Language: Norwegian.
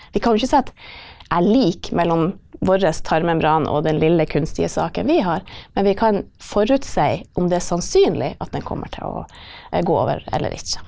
vi kan jo ikke sette er lik mellom vår tarmmembran og den lille kunstige saken vi har, men vi kan forutsi om det er sannsynlig at den kommer til å gå over eller ikke.